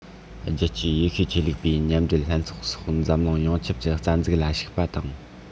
རྒྱལ སྤྱིའི ཡེ ཤུའི ཆོས ལུགས པའི མཉམ འབྲེལ ལྷན ཚོགས སོགས འཛམ གླིང ཡོངས ཁྱབ ཀྱི རྩ འཛུགས ལ ཞུགས པ དང